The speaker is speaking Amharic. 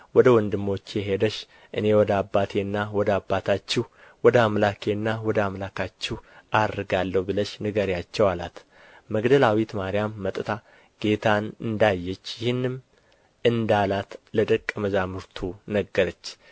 ወደ ወንድሞቼ ሄደሽ እኔ ወደ አባቴና ወደ አባታችሁ ወደ አምላኬና ወደ አምላካችሁ ዓርጋለሁ ብለሽ ንገሪአቸው አላት መግደላዊት ማርያም መጥታ ጌታን እንዳየች ይህንም እንዳላት ለደቀ መዛሙርቱ ነገረች